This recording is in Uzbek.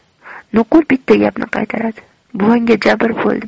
nuqul bitta gapni qaytaradi buvangga jabr bo'ldi